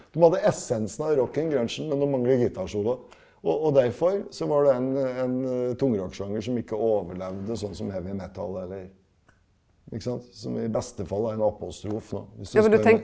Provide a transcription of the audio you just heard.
dem hadde essensen av rocken grønsjen men de mangler gitarsoloer, og og derfor så var det en en tungrocksjanger som ikke overlevde sånn som heavy metal eller ikke sant som i beste fall er en apostrof nå hvis du spør.